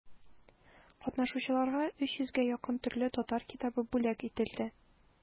Катнашучыларга өч йөзгә якын төрле татар китабы бүләк ителде.